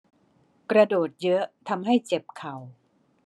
กระโดดเยอะทำให้เจ็บเข่า